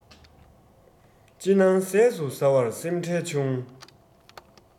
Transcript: ཅི སྣང ཟས སུ ཟ བས སེམས ཁྲལ ཆུང